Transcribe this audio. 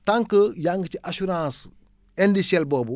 tant que yaa ngi ci assurance indicelle boobu